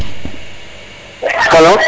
alo